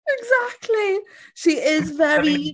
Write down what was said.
Exactly! She is very...